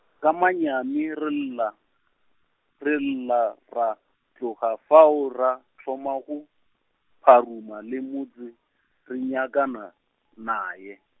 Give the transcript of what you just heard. ka manyami re lla, re lla ra tloga fao ra thoma go, pharuma le motse, re nyakana, naye.